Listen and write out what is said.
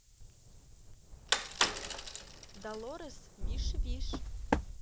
долорес вишь виш